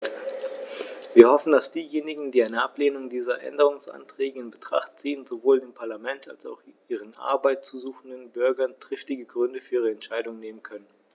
Wir hoffen, dass diejenigen, die eine Ablehnung dieser Änderungsanträge in Betracht ziehen, sowohl dem Parlament als auch ihren Arbeit suchenden Bürgern triftige Gründe für ihre Entscheidung nennen können.